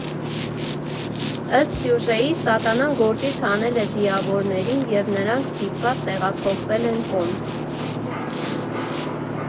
Ըստ սյուժեի՝ Սատանան գործից հանել է ձիավորներին և նրանք ստիպված տեղափոխվել են Կոնդ։